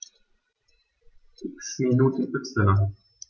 X Minuten Y